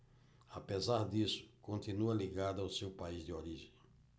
apesar disso continua ligado ao seu país de origem